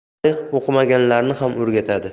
tarix o'qimaganlarni ham o'rgatadi